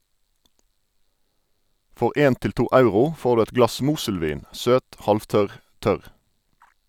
For 1 til 2 euro får du et glass moselvin, søt, halvtørr, tørr.